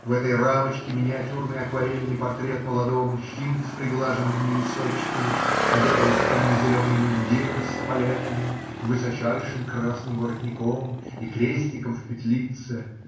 В этой рамочке миниатюрный акварельный портрет молодого мужчины с приглаженными височками, одетого в темно-зеленый мундир с эполетами, высочайшим красным воротником и крестиком в петлице.